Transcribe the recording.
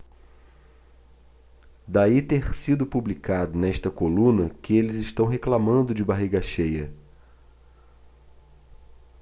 daí ter sido publicado nesta coluna que eles reclamando de barriga cheia